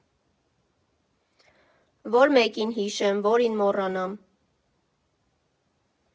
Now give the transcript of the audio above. Ո՞ր մեկին հիշեմ, որի՞ն մոռանամ.